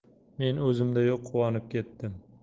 men o'zimda yo'q quvonib ketdim